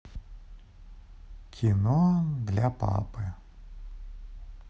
кино для папы